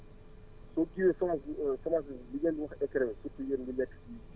boo jiwee semence bi semence bi ngeen di wax écrémé surtout yéen ñi nekk